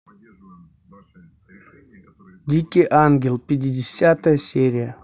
дикий ангел пятидесятая серия